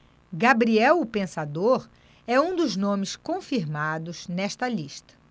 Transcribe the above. gabriel o pensador é um dos nomes confirmados nesta lista